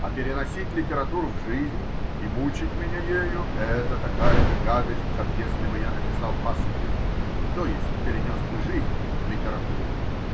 а переносить литературу в жизнь и мучить меня ею -- это такая же гадость, как если бы я написал пасквиль, то есть перенес бы жизнь в литературу.